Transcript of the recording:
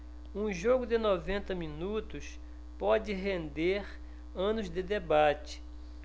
um jogo de noventa minutos pode render anos de debate